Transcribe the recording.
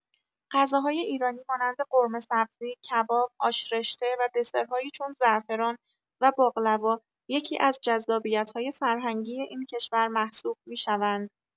غذاهای ایرانی مانند قورمه‌سبزی، کباب، آش‌رشته و دسرهایی چون زعفران و باقلوا، یکی‌از جذابیت‌های فرهنگی این کشور محسوب می‌شوند.